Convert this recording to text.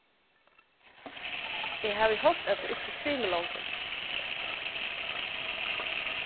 eg havi hoyrt at tú ikki svimur longur